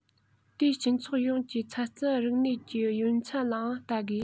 དེའི སྤྱི ཚོགས ཡོངས ཀྱི ཚན རྩལ རིག གནས ཀྱི ཡོན ཚད ལའང བལྟ དགོས